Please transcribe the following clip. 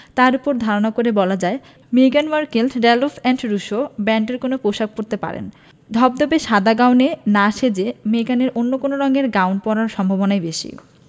তার ওপর ধারণা করে বলা যায় মেগান Markle Ralph and Russo ব্র্যান্ডের কোনো পোশাক পরতে পারেন ধবধবে সাদা গাউনে না সেজে মেগানের অন্য কোন রঙের গাউন পরার সম্ভাবনাই বেশি